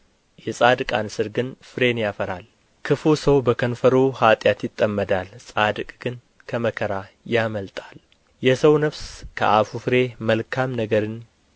የጻድቃን ሥር ግን ፍሬን ያፈራል ክፉ ሰው በከንፈሩ ኃጢአት ይጠመዳል ጻድቅ ግን ከመከራ ያመልጣል የሰው ነፍስ ከአፉ ፍሬ መልካም ነገርን